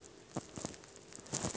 что с моим заказом